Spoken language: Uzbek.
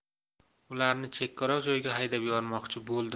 ularni chekkaroq joyga haydab yubormoqchi bo'ldim